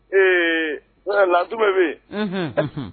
Ee tiɲɛ yɛrɛ la jumɛn bɛ yen? Unhun.